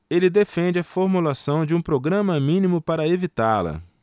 ele defende a formulação de um programa mínimo para evitá-la